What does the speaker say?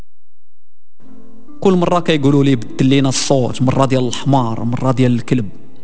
كل مره يقولوا لي بالليل الصوت مرضي الحمار مراد يا الكلب